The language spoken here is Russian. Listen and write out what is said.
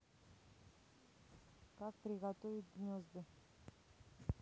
как приготовить гнезда